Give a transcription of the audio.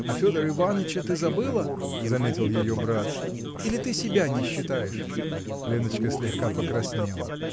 -- А Федора Ивановича ты забыла? -- заметил ее брат. -- Или ты себя не считаешь? Леночка слегка покраснела.